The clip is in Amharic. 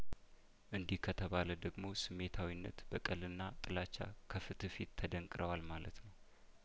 እንዲህ ከተባለ ደግሞ ስሜታዊነት በቀልና ጥላቻ ከፍትህ ፊት ተደንቅረዋል ማለት ነው